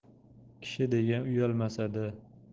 kishi degan uyalmasada